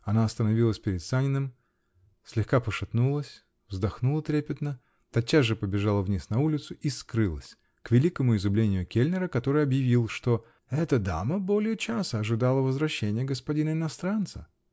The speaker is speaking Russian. она остановилась перед Саниным, слегка пошатнулась, вздохнула трепетно, тотчас же побежала вниз на улицу -- и скрылась, к великому изумлению кельнера, который объявил, что "эта дама более часа ожидала возвращения господина иностранца".